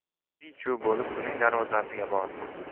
qiy chuv bo'lib uning darvozasiga bordi